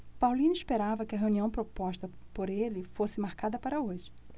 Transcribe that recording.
paulino esperava que a reunião proposta por ele fosse marcada para hoje